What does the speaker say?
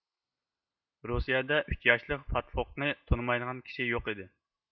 رۇسىيەدە ئۈچ ياشلىق فاتغوقنى تونۇمايدىغان كىشى يوق ئىدى